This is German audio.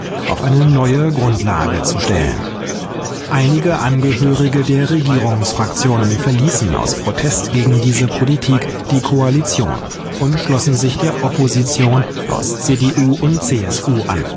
auf eine neue Grundlage zu stellen. Einige Angehörige der Regierungsfraktionen verließen aus Protest gegen diese Politik die Koalition und schlossen sich der Opposition aus CDU und CSU an